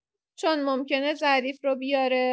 چون ممکنه ظریف رو بیاره.